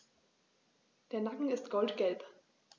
Der Nacken ist goldgelb.